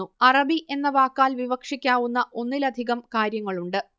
അറബി എന്ന വാക്കാൽ വിവക്ഷിക്കാവുന്ന ഒന്നിലധികം കാര്യങ്ങളുണ്ട്